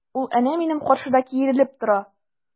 Ул әнә минем каршыда киерелеп тора!